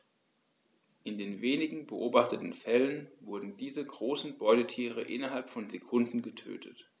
In den wenigen beobachteten Fällen wurden diese großen Beutetiere innerhalb von Sekunden getötet.